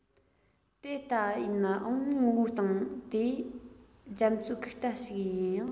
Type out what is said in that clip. དེ ལྟ ཡིན ནའང ངོ བོའི སྟེང དེ ནི རྒྱ མཚོའི ཁུག རྟ ཞིག ཡིན ཡང